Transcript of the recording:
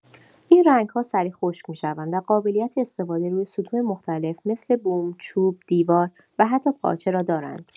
این رنگ‌ها سریع خشک می‌شوند و قابلیت استفاده روی سطوح مختلف مثل بوم، چوب، دیوار و حتی پارچه را دارند.